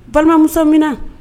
Balimamusosamina